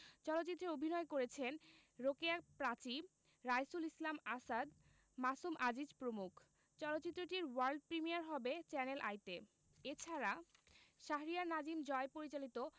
চলচ্চিত্রে অভিনয় করেছেন রোকেয়া প্রাচী রাইসুল ইসলাম আসাদ মাসুম আজিজ প্রমুখ চলচ্চিত্রটির ওয়ার্ল্ড প্রিমিয়ার হবে চ্যানেল আইতে এ ছাড়া শাহরিয়ার নাজিম জয় পরিচালিত